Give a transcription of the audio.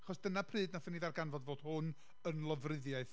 achos dyna pryd wnaethon ni ddarganfod fod hwn yn lofruddiaeth,